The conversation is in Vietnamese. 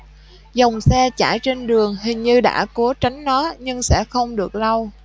dòng xe chảy trên đường hình như đã cố tránh nó nhưng sẽ không được lâu